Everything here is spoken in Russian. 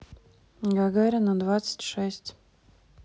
гагарина двадцать шесть